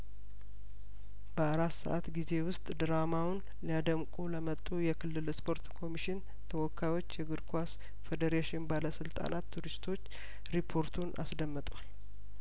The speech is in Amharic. በአራት ሰአት ጊዜ ውስጥ ድራማውን ሊያደምቁ ለመጡ የክልል ስፖርት ኮሚሽን ተወካዮች እግር ኳስ ፌዴሬሽን ባለስልጣናት ቱሪስቶች ሪፖርቱን አስደምጧል